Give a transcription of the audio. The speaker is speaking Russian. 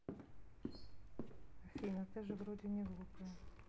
афина ты же вроде неглупая